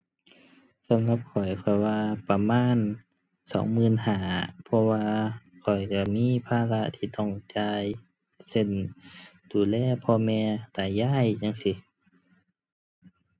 สำหรับข้อยว่าประมาณสองหมื่นห้า เพราะว่าข้อยก็มีภาระที่ต้องจ่าย เช่น ดูแลพ่อแม่ ตายายจั่งซี้